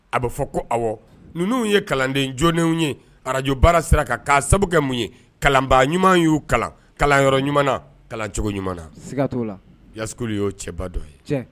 A bɛ fɔ ko ninnu ye kalanden jɔnnenw ye araj baara sera ka'a sababu mun ye kalanba ɲuman y'u kalan kalanyɔrɔ ɲuman kalancogo ɲuman siga ya y'o cɛbadɔ ye